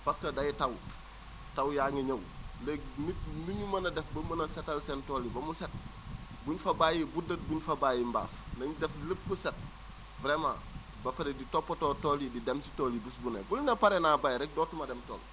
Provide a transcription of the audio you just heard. parce que day taw taw yaa ngi ñëw léegi nit nu ñu mën a def ba mën a setal seen tool yi ba mu set buñ fa bàyyi buddët bu ñu fa bàyyi mbaaf nañ def lépp set vraiment ba pare di toppatoo tool yi di dem si tool yi bés bu ne bul ne pare naa bay rek dootuma dem tool